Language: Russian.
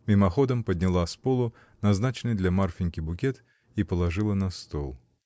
Мимоходом подняла с полу назначенный для Марфиньки букет и положила на стол.